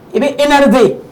I bɛ elɛrede